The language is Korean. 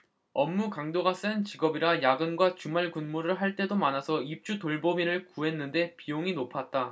업무 강도가 센 직업이라 야근과 주말근무를 할 때도 많아서 입주돌보미를 구했는데 비용이 높았다